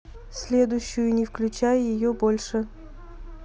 следующую не включай ее больше